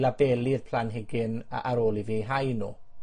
labelu'r planhigyn a- ar ôl i fi hau nw.